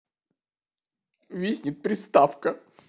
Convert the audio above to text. виснет приставка